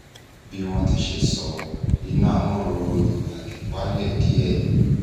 Bí wọ́n ti ṣe sọ, iná amọ́roro ìtàgé wálẹ̀ díẹ̀.